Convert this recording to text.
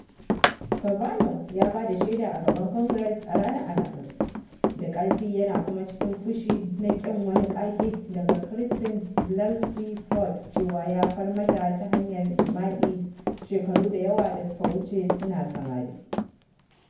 Kavanaugh ya ba da shaida a gaban Congress a ranar Alhamis, da ƙarfi yana kuma cikin fushi na ƙin wani ƙage daga Christine Blasey Ford cewa ya far mata ta hanyar jima’i shekaru da yawa da suka wuce suna samari.